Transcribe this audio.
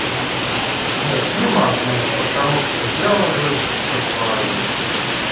нет не могу потому что я уже засыпаю